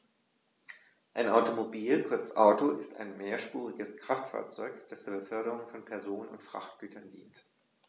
Ein Automobil, kurz Auto, ist ein mehrspuriges Kraftfahrzeug, das zur Beförderung von Personen und Frachtgütern dient.